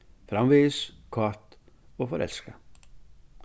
framvegis kát og forelskað